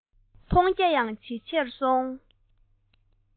མཐོང རྒྱ ཡང ཇེ ཆེར སོང